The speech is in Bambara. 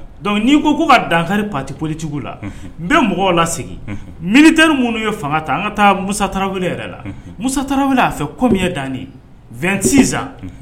Dɔnku n'i ko ko ka dankari patiolitigiw la n bɛ mɔgɔ la seg minit ni minnu ye fanga ta an ka taa musataw yɛrɛ la mu a fɛ komimi ye dan w sisan